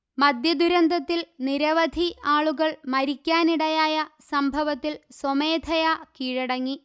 മദ്യദുരന്തത്തിൽ നിരവധി ആളുകൾ മരിക്കാനിടയായ സംഭവത്തിൽ സ്വമേധയാ കീഴടങ്ങി